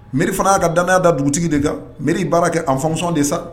M fana y'a ka danya da dugutigi de kan mri' baara kɛ anfamu de sa